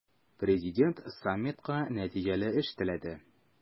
Президент саммитка нәтиҗәле эш теләде.